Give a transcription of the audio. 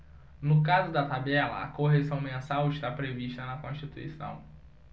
no caso da tabela a correção mensal está prevista na constituição